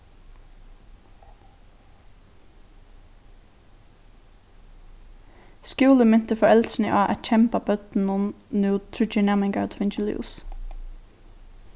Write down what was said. skúlin minti foreldrini á at kemba børnunum nú tríggir næmingar høvdu fingið lús